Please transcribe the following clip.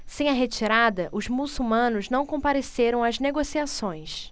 sem a retirada os muçulmanos não compareceram às negociações